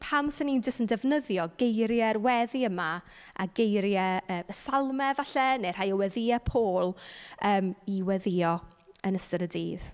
Pam so ni jyst yn defnyddio geiriau'r weddi yma a geiriau y y y Salmau falle, neu rhai weddïau Paul, yym, i weddïo yn ystod y dydd.